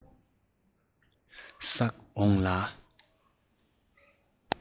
བསག འོང ལ